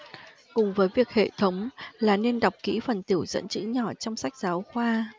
cùng với việc hệ thống là nên đọc kỹ phần tiểu dẫn chữ nhỏ trong sách giáo khoa